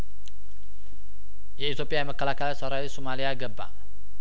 የኢትዮጵያ የመከላከላ ሰራዊት ሱማሊያ ገባ